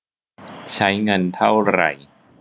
ใช้เงินเท่าไหร่